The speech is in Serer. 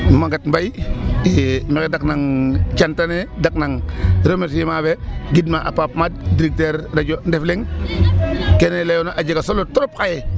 Maguette Mbaye maxey daknang cant ne daknang remerciement fe gidma a Pape Made directeur Radio Ndefleng kene layoona a jega solo trop.